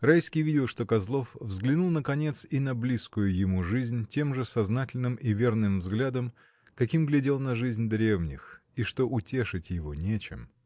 Райский видел, что Козлов взглянул наконец и на близкую ему жизнь тем же сознательным и верным взглядом, каким глядел на жизнь древних, и что утешить его нечем.